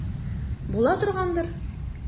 Була торгандыр.